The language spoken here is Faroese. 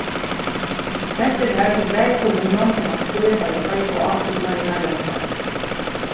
hetta er har sum bæði kommunan og landsstýrið hava peikað á í fleiri harrans ár